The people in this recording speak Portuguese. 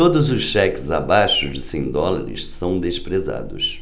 todos os cheques abaixo de cem dólares são desprezados